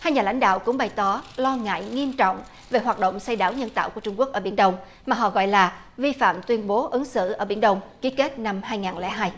hai nhà lãnh đạo cũng bày tỏ lo ngại nghiêm trọng về hoạt động xây đảo nhân tạo của trung quốc ở biển đông mà họ gọi là vi phạm tuyên bố ứng xử ở biển đông ký kết năm hai ngàn lẻ hai